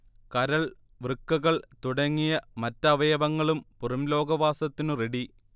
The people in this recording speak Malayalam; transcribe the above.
കരൾ, വൃക്കകൾ തുടങ്ങിയ മറ്റവയവങ്ങളും പുറംലോക വാസത്തിനു റെഡി